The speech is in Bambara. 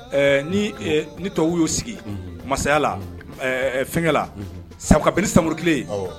Ɛɛ ni tubabu y'o sigi masayala, ɛɛ fɛnkɛla, ka bɛn ni Samɔry tile ye.awɔ.